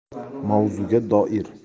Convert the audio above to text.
mavzuga doir